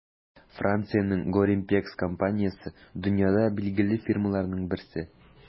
Франциянең Gorimpex компаниясе - дөньяда билгеле фирмаларның берсе.